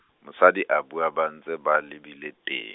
mosadi a bua ba ntse ba lebile te-.